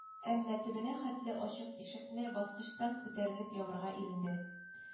Әмма төбенә хәтле ачык ишекне баскычтан күтәрелеп ябарга иренде